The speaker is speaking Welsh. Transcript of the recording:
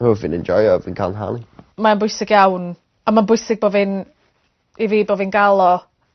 wel fi'n enjoio fi'n ca'l hawl. Ma'n bwysig iawn a ma'n bwysig bo' fi'n i fi bo' fi'n ga'l o